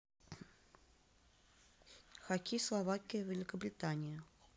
хоккей словакия великобритания